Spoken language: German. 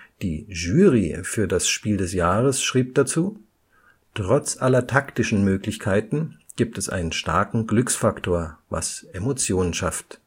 Die Jury für das Spiel des Jahres schrieb dazu: „ Trotz aller taktischen Möglichkeiten gibt es einen starken Glücksfaktor, was Emotionen schafft